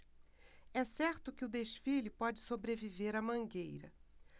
é certo que o desfile pode sobreviver à mangueira